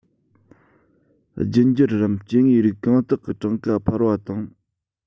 རྒྱུད འགྱུར རམ སྐྱེ དངོས རིགས གང དག གི གྲངས ཁ འཕར བ དང